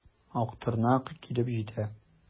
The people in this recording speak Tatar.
Актырнак килеп җитә.